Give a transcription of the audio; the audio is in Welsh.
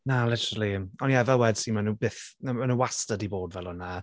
Na literally. Ond ie fel wedais i mae nhw byth na m- maen nhw wastad wedi bod fel yna.